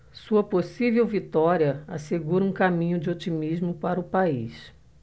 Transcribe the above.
sua possível vitória assegura um caminho de otimismo para o país